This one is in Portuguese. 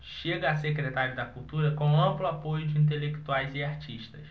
chega a secretário da cultura com amplo apoio de intelectuais e artistas